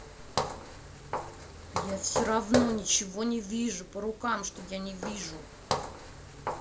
а я все равно ничего не вижу по рукам что я не вижу